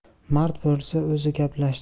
mard bo'lsa o'zi gaplashsin